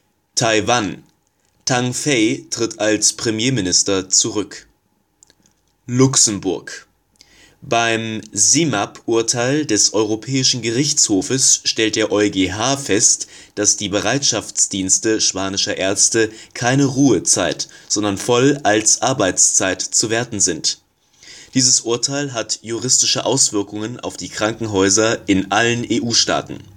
Taiwan: Tang Fei tritt als Premierminister zurück. Luxemburg/Luxemburg: Beim SIMAP-Urteil des Europäischen Gerichtshofes stellt der EuGH fest, dass die Bereitschaftsdienste spanischer Ärzte keine Ruhezeit, sondern voll als Arbeitszeit zu werten sind. Dieses Urteil hat juristische Auswirkungen auf die Krankenhäuser in allen EU-Staaten